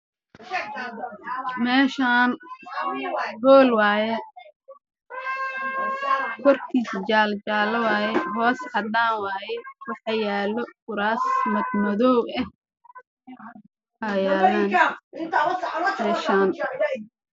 Waa qol waxaa yaalo qalabka jiimka kalarkiis yahay madow